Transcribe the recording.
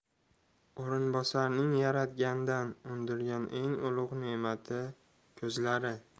o'rinbosarning yaratgandan undirgan eng ulug' ne'mati ko'zlari